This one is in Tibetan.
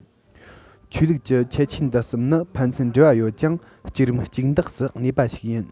ཆོས ལུགས ཀྱི ཁྱད ཆོས འདི གསུམ ནི ཕན ཚུན འབྲེལ བ ཡོད ཅིང གཅིག རམ གཅིག འདེགས སུ གནས པ ཞིག ཡིན